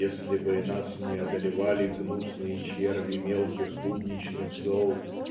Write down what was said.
"если бы нас не одолевали гнусные черви мелких будничных зол